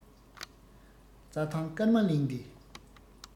རྩ ཐང སྐར མ གླིང འདི